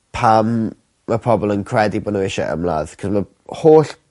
pam ma pobol yn credu bo' n'w isie ymladd 'c'os ma' holl